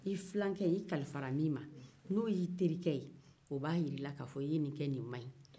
i filankɛ i kalifa la min ma ni o y'i terikɛ ye o b'a yira i la ka fɔ i ye nin kɛ a ma ɲɛ